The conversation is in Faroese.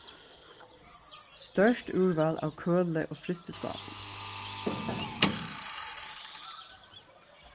stórt úrval av køli og frystiskápum